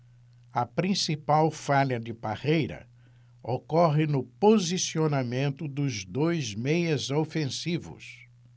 a principal falha de parreira ocorre no posicionamento dos dois meias ofensivos